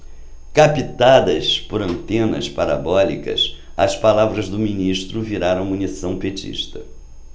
captadas por antenas parabólicas as palavras do ministro viraram munição petista